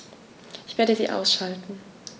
Ich werde sie ausschalten